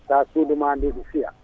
tawa suudu ma ndu no siiya